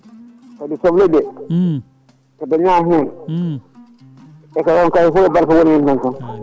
kono sobleɗe ko daaña hen ko hen ko ari foof yo barke woon e mum tan